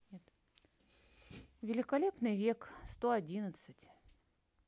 великолепный век сто одиннадцать